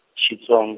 Xitsong-.